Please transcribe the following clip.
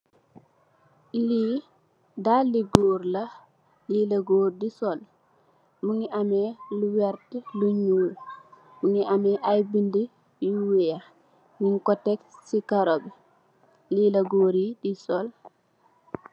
Lee dalle goor la lela goor de sol muge ameh lu werte lu nuul muge ameh aye bede yu weex nugku tek se karou be lela goor ye de sol.